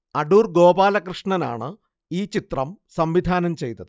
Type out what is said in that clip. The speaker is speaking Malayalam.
അടൂർ ഗോപാലകൃഷ്ണനാണ് ഈ ചിത്രം സംവിധാനം ചെയ്തത്